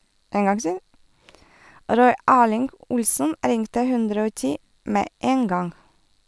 Roy Erling Olsen ringte 110 med en gang.